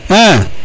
a